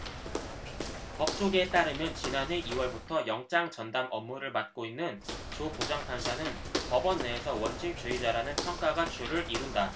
법조계에 따르면 지난해 이 월부터 영장전담 업무를 맡고 있는 조 부장판사는 법원 내에서 원칙주의자라는 평가가 주를 이룬다